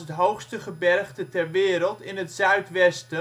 hoogste gebergte ter wereld in het zuid-westen